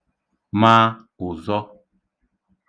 mā ụ̀zọ